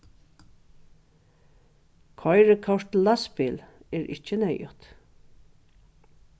koyrikort til lastbil er ikki neyðugt